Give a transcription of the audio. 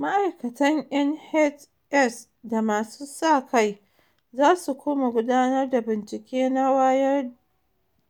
Ma’aikatan NHS da masu sa kai za su kuma gudanar da bincike na wayar